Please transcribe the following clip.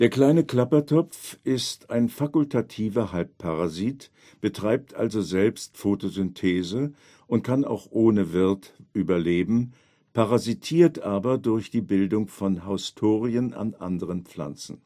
Kleine Klappertopf ist ein fakultativer Halbparasit, betreibt also selbst Photosynthese und kann auch ohne Wirt überleben, parasitiert aber durch die Bildung von Haustorien an anderen Pflanzen